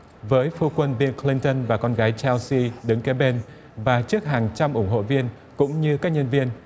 với phu quân biu cờ lin tơn và con gái cheo xi đứng kế bên và trước hàng trăm ủng hộ viên cũng như các nhân viên